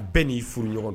Bɛɛ n'i furu ɲɔgɔn d